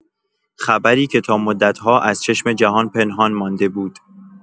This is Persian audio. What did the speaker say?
خبری که تا مدت‌ها از چشم جهان پنهان مانده بود.